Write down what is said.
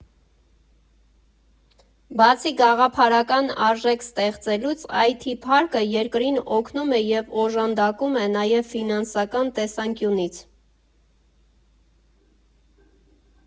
Բացի գաղափարական արժեք ստեղծելուց, «Այ Թի Պարկը» երկրին օգնում և օժանդակում է նաև ֆինանսական տեսանկյունից։